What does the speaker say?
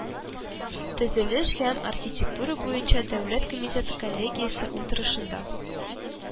Төзелеш һәм архитектура буенча дәүләт комитеты коллегиясе утырышында